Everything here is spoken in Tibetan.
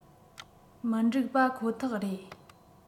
མི འགྲིག པ ཁོ ཐག རེད